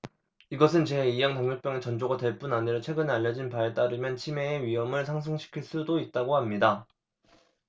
이것은 제 이 형 당뇨병의 전조가 될 뿐 아니라 최근에 알려진 바에 따르면 치매의 위험을 상승시킬 수도 있다고 합니다